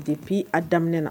A tɛpi a daminɛ na